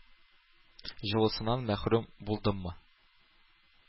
Җылысыннан мәхрүм булдыммы?